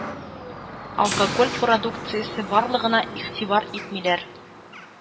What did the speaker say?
Алкоголь продукциясе барлыгына игътибар итмиләр,